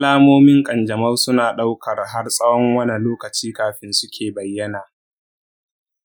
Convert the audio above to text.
alamomin kanjamau suna daukar har tsawon wana lokaci kafin suke bayyana?